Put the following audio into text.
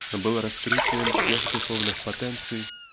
но было раскрытием тех духовных потенций